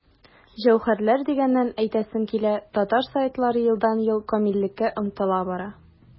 Җәүһәрләр дигәннән, әйтәсем килә, татар сайтлары елдан-ел камиллеккә омтыла бара.